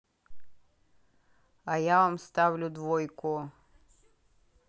а я вам ставлю двойку